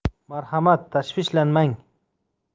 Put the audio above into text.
marhamat tashvishlanmang